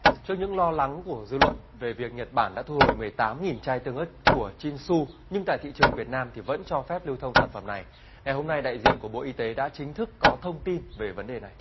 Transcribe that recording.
trước những lo lắng của dư luận về việc nhật bản đã thu hồi mười tám nghìn chai tương ớt của chin xu nhưng tại thị trường việt nam thì vẫn cho phép lưu thông sản phẩm này ngày hôm nay đại diện của bộ y tế đã chính thức có thông tin về vấn đề này